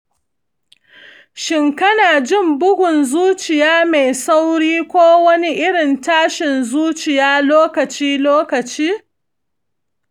shin kana jin bugun zuciya mai sauri ko wani irin tashin zuciya lokaci-lokaci?